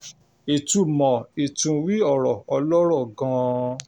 Ìtúmọ̀ Ìtúnwí-ọ̀rọ̀ Ọlọ́rọ̀ gan-an